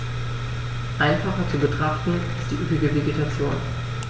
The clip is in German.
Einfacher zu betrachten ist die üppige Vegetation.